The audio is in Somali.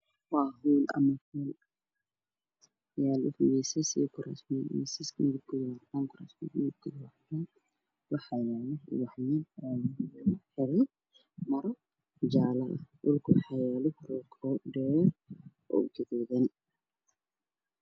Waa hool waxaa yaalo kuraasman iyo miisas cadaan ah waxaa yaalo ubaxyo iyo maro jaale ah, dhulkana waxaa yaalo roog dheer oo gaduudan.